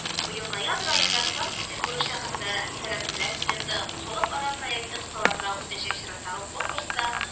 Быел ноябрь аенда Санкт-Петербург шәһәрендә Сәләтлеләр слеты Халыкара проекты кысаларында үтәчәк чираттагы конкурста